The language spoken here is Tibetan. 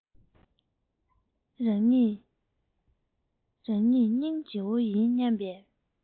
རང ཉིད སྙིང རྗེ བོ ཡིན སྙམ པའི